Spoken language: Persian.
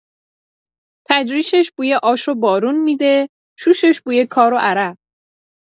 تجریشش بوی آش و بارون می‌ده، شوشش بوی کار و عرق.